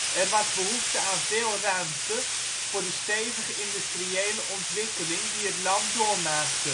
was behoefte aan veel ruimte voor de stevige industriële ontwikkeling die het land doormaakte